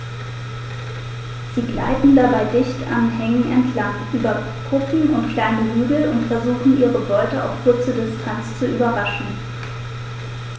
Sie gleiten dabei dicht an Hängen entlang, über Kuppen und kleine Hügel und versuchen ihre Beute auf kurze Distanz zu überraschen.